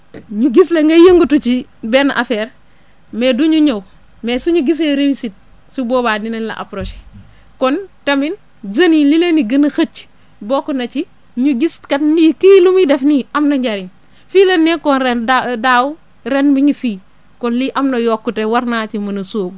ñu gis la ngay yëngatu ci benn affaire mais du ñu ñëw mais su ñu gisee réussite su boobaa dinañ la approché kon tamit jeunes yi li leen di gën a xëcc bokk na ci ñu gis kat ni kii lu muy def nii am na njëriñ fii la nekkoon ren daaw daaw ren mu ngi fii kon lii am na yokkute war naa ci mën a sóobu